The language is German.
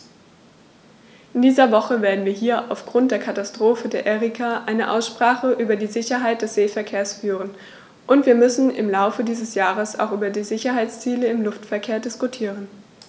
In dieser Woche werden wir hier aufgrund der Katastrophe der Erika eine Aussprache über die Sicherheit des Seeverkehrs führen, und wir müssen im Laufe dieses Jahres auch über die Sicherheitsziele im Luftverkehr diskutieren.